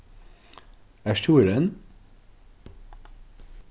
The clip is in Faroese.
ert tú her enn